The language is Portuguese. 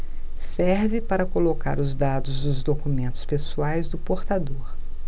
serve para colocar os dados dos documentos pessoais do portador